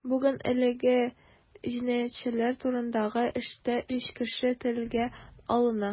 Бүген әлеге җинаятьләр турындагы эштә өч кеше телгә алына.